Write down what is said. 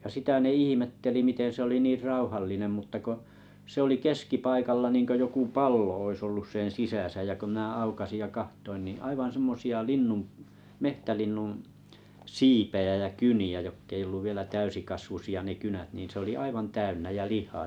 ja sitä ne ihmetteli miten se oli niin rauhallinen mutta kun se oli keskipaikalla niin kuin joku pallo olisi ollut sen sisässä ja kun minä aukaisin ja katsoin niin aivan semmoisia linnun - metsälinnun siipiä ja kyniä jotka ei ollut vielä täysikasvuisia ne kynät niin se oli aivan täynnä ja lihaa